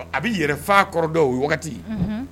Ɔ a bi yɛrɛfaa kɔrɔdɔn o wagati unhun